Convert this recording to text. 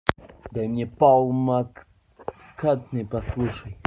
дай мне paul mccartney послушай